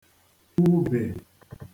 ubè